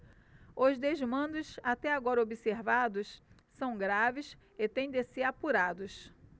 os desmandos até agora observados são graves e têm de ser apurados